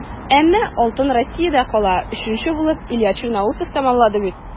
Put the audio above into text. Әмма алтын Россиядә кала - өченче булып Илья Черноусов тәмамлады бит.